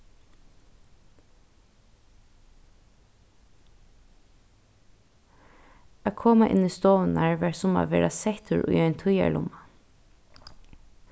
at koma inn í stovurnar var sum at verða settur í ein tíðarlumma